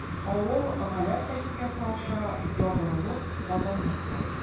Авыл галәм тәлинкәсе аша ябырылып Казанны карый.